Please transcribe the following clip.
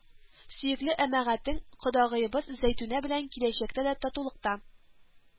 Сөекле әмәгатең, кодагыебыз Зәйтүнә белән киләчәктә дә татулыкта